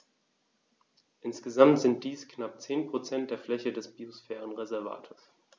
Insgesamt sind dies knapp 10 % der Fläche des Biosphärenreservates.